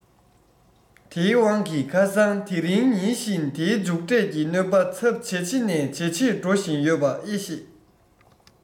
དེའི དབང གིས ཁ སང དེ རིང ཉིན བཞིན དེའི མཇུག འབྲས ཀྱི གནོད པ ཚབས ཇེ ཆེ ནས ཇེ ཆེར འགྲོ བཞིན ཡོད པ ཨེ ཤེས